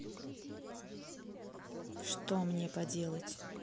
что мне поделать